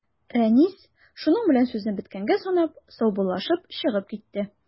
Рәнис, шуның белән сүзне беткәнгә санап, саубуллашып чыгып китте.